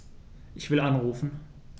Ich will anrufen.